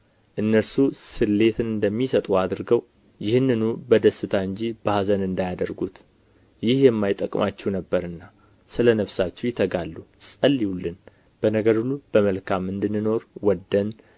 እነርሱ ስሌትን እንደሚሰጡ አድርገው ይህንኑ በደስታ እንጂ በኃዘን እንዳያደርጉት ይህ የማይጠቅማችሁ ነበርና ስለ ነፍሳችሁ ይተጋሉ ጸልዩልን በነገር ሁሉ በመልካም እንድንኖር ወደን